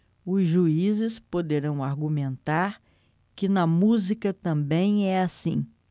os juízes poderão argumentar que na música também é assim